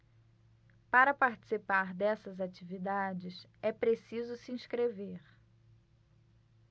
para participar dessas atividades é preciso se inscrever